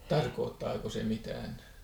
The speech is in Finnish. tarkoittaako se mitään